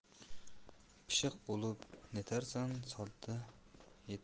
pishiq bo'lib netarsan